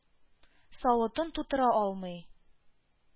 Савытын тутыра алмый.